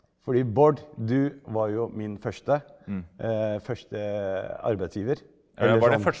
fordi Bård du var jo min første første arbeidsgiver .